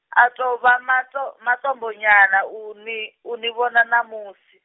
a tou vha mato-, matombo nyana uni, uni vhona ṋamusi.